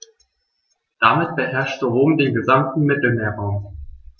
Damit beherrschte Rom den gesamten Mittelmeerraum.